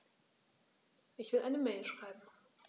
Ich will eine Mail schreiben.